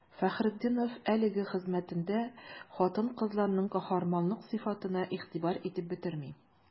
Фәхретдинов әлеге хезмәтендә хатын-кызларның каһарманлылык сыйфатына игътибар итеп бетерми.